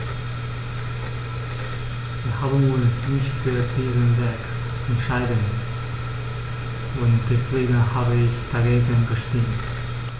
Wir haben uns nicht für diesen Weg entschieden, und deswegen habe ich dagegen gestimmt.